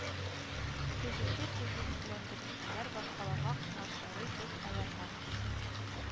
Төзүче төзекләндерүчеләр башкаларга комачаулый, без аларга